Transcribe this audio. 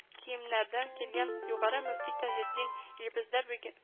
Киемнәрдән килгән югары мөфти таҗетдин, илебездә бүге